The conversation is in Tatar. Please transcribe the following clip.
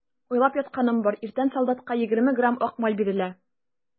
Уйлап ятканым бар: иртән солдатка егерме грамм ак май бирелә.